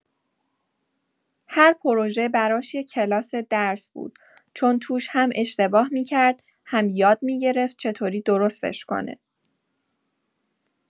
هر پروژه براش یه کلاس درس بود، چون توش هم اشتباه می‌کرد، هم یاد می‌گرفت چطوری درستش کنه.